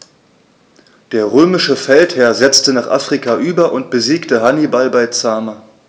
Der römische Feldherr setzte nach Afrika über und besiegte Hannibal bei Zama.